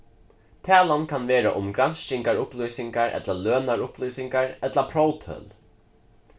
talan kann verða um granskingarupplýsingar ella lønarupplýsingar ella próvtøl